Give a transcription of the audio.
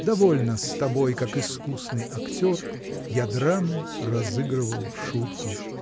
Довольно с тобой, как искусный актер, Я драму разыгрывал в шутку.